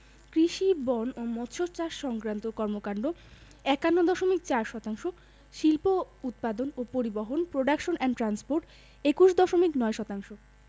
কৃষি বন ও মৎসচাষ সংক্রান্ত কর্মকান্ড ৫১ দশমিক ৪ শতাংশ শিল্প উৎপাদন ও পরিবহণ প্রোডাকশন এন্ড ট্রান্সপোর্ট ২১ দশমিক ৯ শতাংশ